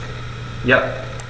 Ja.